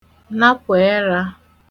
napụ̀ ẹrā